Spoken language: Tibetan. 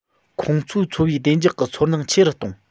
ཁོང ཚོའི འཚོ བའི བདེ འཇགས ཀྱི ཚོར སྣང ཆེ རུ གཏོང